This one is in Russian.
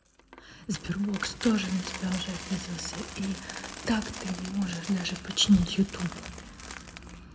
sberbox тоже на тебя уже обиделся и так ты не можешь даже починить youtube